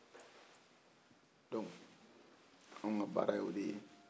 donc anw ka baara y'o de ye